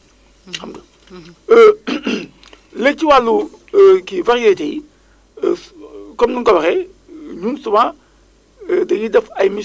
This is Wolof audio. côté boobu def nañu si liggéey bu am solo parce que comme ni mu ko waxee alerte yi ak yooyu du yem sax ci béykat yi mais même si techniciens ñi